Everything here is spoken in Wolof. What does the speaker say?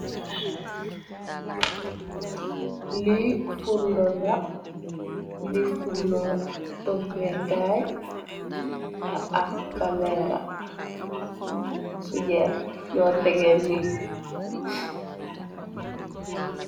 Li furrno la, di furrno togèkaay ak kalèla, sujèrr nyo tégé ni.